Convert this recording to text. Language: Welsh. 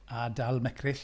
A dal mecryll.